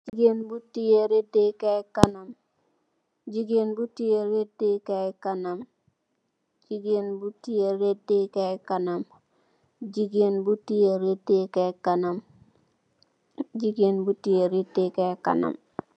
Jigeen bu tiyeh redey kai kanam jigeen bu tiyeh redey kai kanam jigeen bu tiyeh redey kai kanam jigeen bu tiyeh redey kai kanam jigeen bu tiyeh redey kai kanam.